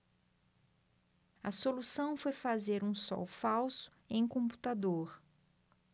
a solução foi fazer um sol falso em computador